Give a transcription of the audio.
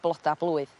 bloda blwydd.